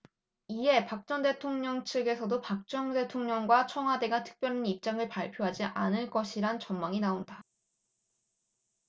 이에 박 전 대통령 측에서도 박 전 대통령과 청와대가 특별한 입장을 발표하지 않을 것이란 전망이 나온다